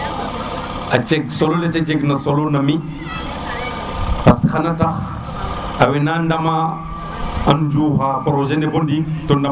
a jeg solo le te jeg solo na mi parce que xaye tax wena ndama xam njuxa projet ne bo ndik